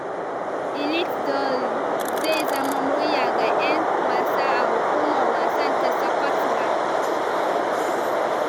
Eilidh Doyle zai zama "murya ga 'yan wasa" a hukumar wasan ta Scotland